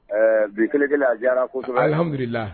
Ɛɛ bi kelenkɛla a jara kosɔlila